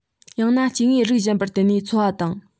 ཡང ན སྐྱེ དངོས རིགས གཞན པར བརྟེན ནས འཚོ བ དང